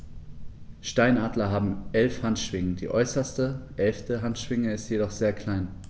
Steinadler haben 11 Handschwingen, die äußerste (11.) Handschwinge ist jedoch sehr klein.